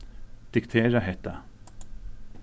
diktera hetta